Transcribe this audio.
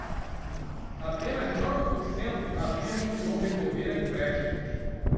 apenas nove por cento afirmam que vão recorrer a empréstimos